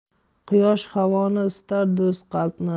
quyosh havoni isitar do'st qalbni